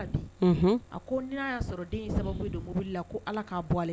A ko na ya sɔrɔ den in sababu de bi mobili la ko Ala ka bɔ ale kun